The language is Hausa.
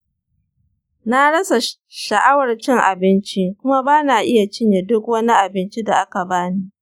na rasa sha'awar cin abinci, kuma ba na iya cinye duk wani abinci da aka ba ni.